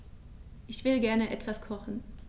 Ich will gerne etwas kochen.